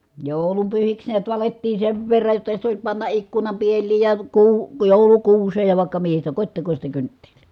joulunpyhiksi näet valettiin sen verran jotta sitten oli panna ikkunan pieliin ja - joulukuuseen ja vaikka mihin sitä kotitekoista kynttilää